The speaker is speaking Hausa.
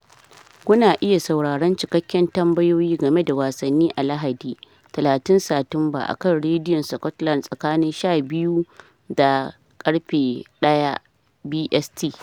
Kuna iya sauraron cikakken tambayoyi game da Wasanni a Lahadi, 30 Satumba, a kan Radio Scotland tsakanin 12:00 da 13:00 BST